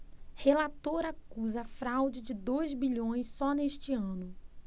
relator acusa fraude de dois bilhões só neste ano